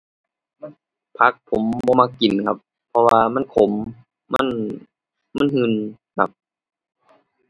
ผักผมบ่มักกินครับ เพราะว่ามันขม มันหืนครับ